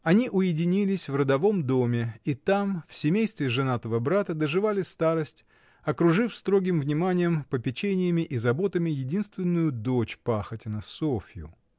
Они уединились в родовом доме и там, в семействе женатого брата, доживали старость, окружив строгим вниманием, попечениями и заботами единственную дочь Пахотина Софью.